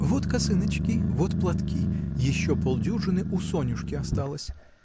Вот косыночки, вот платки; еще полдюжины у Сонюшки осталось.